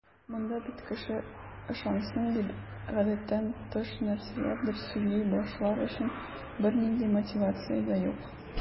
Монда бит кеше ышансын дип, гадәттән тыш нәрсәләрдер сөйли башлар өчен бернинди мотивация дә юк.